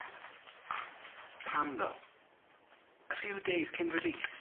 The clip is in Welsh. Pam tho? A few days cyn release?